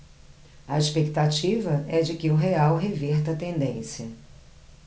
a expectativa é de que o real reverta a tendência